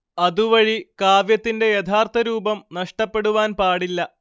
അതുവഴി കാവ്യത്തിന്റെ യഥാർഥ രൂപം നഷ്ടപ്പെടുവാൻ പാടില്ല